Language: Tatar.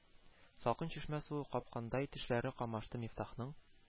Салкын чишмә суы капкандай тешләре камашты Мифтахның